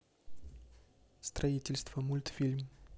строительство мультфильм